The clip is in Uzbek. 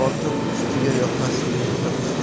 ortiq ustiga yoqasi yirtiq